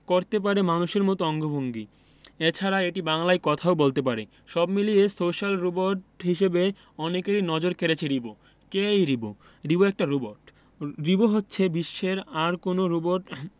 করতে পারে মানুষের মতো অঙ্গভঙ্গি এছাড়া এটি বাংলায় কথাও বলতে পারে সব মিলিয়ে সোশ্যাল রোবট হিসেবে অনেকেরই নজর কেড়েছে রিবো কে এই রিবো রিবো একটা রোবট রিবো ছাড়া বিশ্বের আর কোনো রোবট